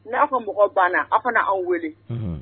N'a fɔ mɔgɔ banna aw kana anw wele